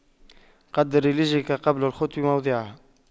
قَدِّرْ لِرِجْلِكَ قبل الخطو موضعها